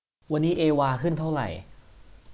วันนี้เอวาขึ้นเท่าไหร่